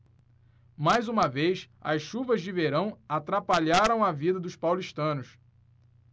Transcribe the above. mais uma vez as chuvas de verão atrapalharam a vida dos paulistanos